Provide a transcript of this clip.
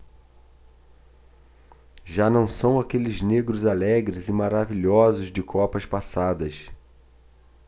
já não são aqueles negros alegres e maravilhosos de copas passadas